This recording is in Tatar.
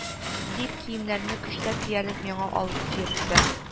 – дип, киемнәрне көчләп диярлек миңа алып киертте